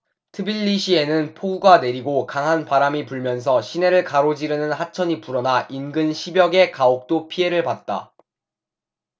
트빌리시에는 폭우가 내리고 강한 바람이 불면서 시내를 가로지르는 하천이 불어나 인근 십 여 개 가옥도 피해를 봤다